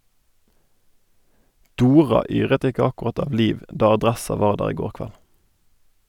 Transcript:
Dora yret ikke akkurat av liv da adressa var der i går kveld.